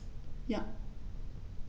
Ja.